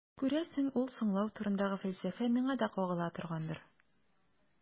Күрәсең, ул «соңлау» турындагы фәлсәфә миңа да кагыла торгандыр.